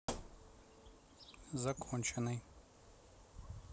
законченный